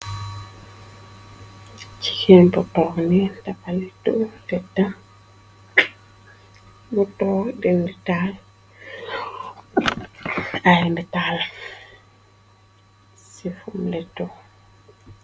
ci kenbo pokni tafaleto fea moto denita ambetala sefomleto